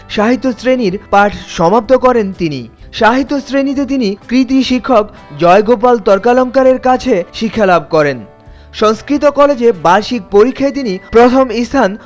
সাহিত্য শ্রেণির পাঠ সমাপ্ত করেন তিনি সাহিত্য শ্রেণী তে তিনি কৃতী শিক্ষক জয়গোপাল তর্কালঙ্কার এর কাছে শিক্ষা লাভ করেন সংস্কৃত কলেজে বার্ষিক পরীক্ষায় তিনি প্রথম স্থান